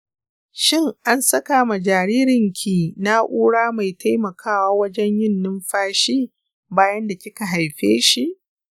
shin ansaka ma jaririnki na'ura mai taimakawa wajen yin numfashi bayan da kika haifeshi?